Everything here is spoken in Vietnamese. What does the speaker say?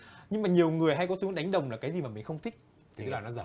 nhưng mà nhiều người hay có xu hướng đánh đồng là cái gì mà mình không thích thì là nó dở